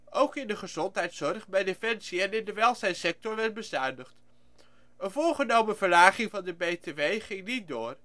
Ook in de gezondheidszorg, bij defensie en in de welzijnssector werd bezuinigd. Een voorgenomen verlaging van de BTW ging niet door